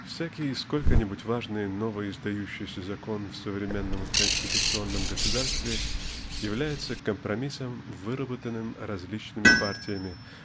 Всякий сколько-нибудь важный новоиздающийся закон в современном конституционном государстве является компромиссом выработанным различными партиями